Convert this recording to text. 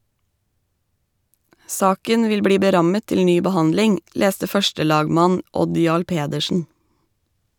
Saken vil bli berammet til ny behandling, leste førstelagmann Odd Jarl Pedersen.